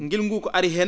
ngilngu nguu ko ari heen